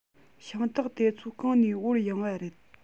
ཤིང ཏོག དེ ཚོ གང ནས དབོར ཡོང བ རེད